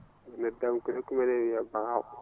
noddatmi ko nokku men ene wiyee Bahaw